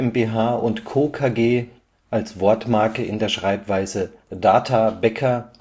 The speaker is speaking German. GmbH & Co. KG (als Wortmarke in der Schreibweise DATA BECKER